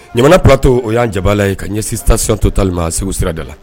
Ɲamana Plateau o y'an jabala ye ka ɲɛsi station Total ma segu sirada la